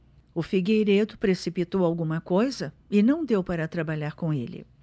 o figueiredo precipitou alguma coisa e não deu para trabalhar com ele